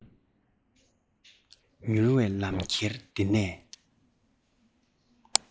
ཉུལ པའི ལམ ཁྱེར འདི ནས